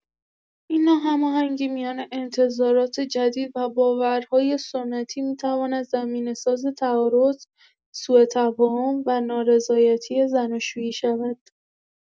این ناهماهنگی میان انتظارات جدید و باورهای سنتی می‌تواند زمینه‌ساز تعارض، سوءتفاهم و نارضایتی زناشویی شود.